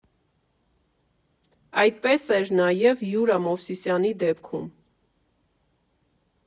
Այդպես էր նաև Յուրա Մովսիսյանի դեպքում։